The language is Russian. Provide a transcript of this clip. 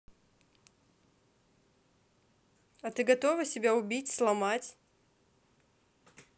а ты готова себя убить сломать